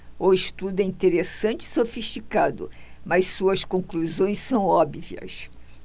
o estudo é interessante e sofisticado mas suas conclusões são óbvias